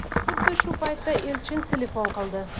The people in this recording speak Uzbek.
xuddi shu paytda elchin telefon qildi